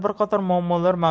bir qator muammolar mavjud